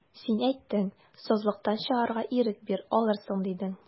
Син әйттең, сазлыктан чыгарга ирек бир, алырсың, дидең.